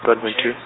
one point two.